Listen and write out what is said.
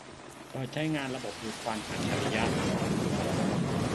เปิดใช้งานระบบดูดควันอัจฉริยะ